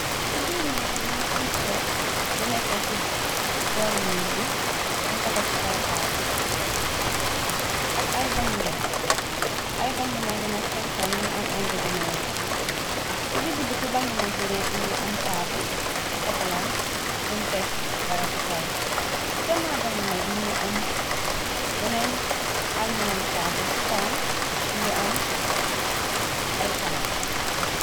Ci biir nekk bi, mi ngi am tele bu nekkee ci boory mir bi, ñiñ ko teg ci kawtaaval, ak ay baŋg yu mag. Ay bang yu magin ak seen kaw ñi ngi am ay ngegenayu ban, ci digg bi fu bang yu mag yi rekk, mi ngi am taabul bu sokolaa bu n tekk dara ci kawam. ci gana ban yu mag mi ngi am beneen almoori taaval, ci kawum bi ngi am ay caars.